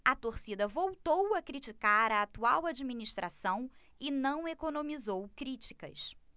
a torcida voltou a criticar a atual administração e não economizou críticas